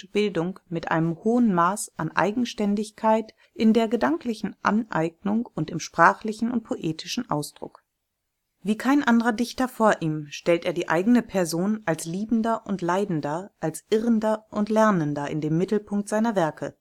Bildung mit einem hohen Maß an Eigenständigkeit in der gedanklichen Aneignung und im sprachlichen und poetischen Ausdruck. Wie kein anderer Dichter vor ihm stellt er die eigene Person als Liebender und Leidender, als Irrender und Lernender in den Mittelpunkt seiner Werke